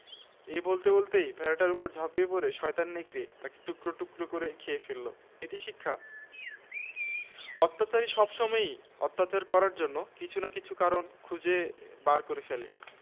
এটা খুব একটা লজ্জার কথা তবে যে ও আমাকে বললো কে আমি বুঝতে পারছি রাবেয়া নিশ্চয়ই কথাগুলি বাইরে কোথাও শুনে এসেছে কিন্তু রাবেয়াকে যার বয়স